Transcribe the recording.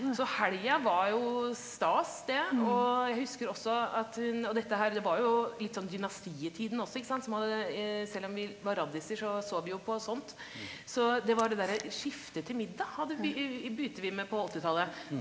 så helga var jo stas det, og jeg husker også at hun og dette her det var jo litt sånn Dynastiettiden også ikke sant så man selv om vi var raddiser så så vi jo på sånt, så det var det derre skiftet til middag hadde vi begynte vi med på åttitallet.